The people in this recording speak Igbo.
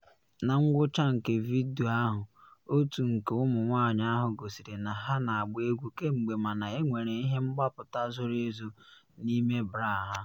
Na ngwụcha nke vidio ahụ otu nke ụmụ nwanyị ahụ gosiri na ha na agba egwu kemgbe mana enwere ihe mgbapụta zoro ezo n’ime bra ha.